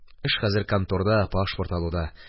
Эш хәзер конторда, пашпорт алуда.